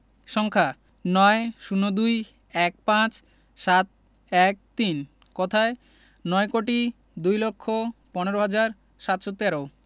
সংখ্যাঃ ৯ ০২ ১৫ ৭১৩ কথায়ঃ নয় কোটি দুই লক্ষ পনেরো হাজার সাতশো তেরো